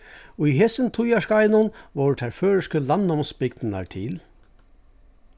í hesum tíðarskeiðinum vórðu tær føroysku landnámsbygdirnar til